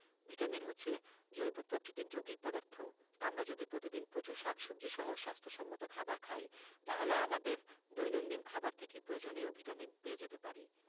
vitamin হচ্ছে জৈব প্রকৃতির যৌগিক পদার্থ আমরা যদি প্রতিদিন প্রচুর শাকসবজী সহ স্বাস্থ্য সম্মত খাবার খাই তাহলে আমাদের দৈনন্দিন খাবার থেকেই প্রয়োজনীয় ভিটামিন পেয়ে যেতে পারি